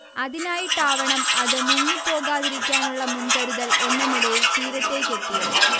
അതിനായിട്ടാവണം അത് മുങ്ങിപ്പോകാതിരിക്കാനുള്ള മുൻകരുതൽ എന്ന നിലയിൽ തീരത്തേക്കെത്തിയത്